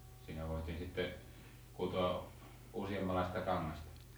siinä voitiin sitten kutoa useammanlaista kangasta